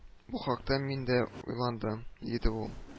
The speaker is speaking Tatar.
—бу хакта мин дә уйландым, — диде ул